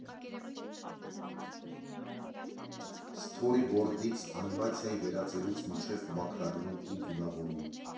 Սթորիբորդից, անիմացիայի վերածելուց մինչև մաքրագրում ու գունավորում։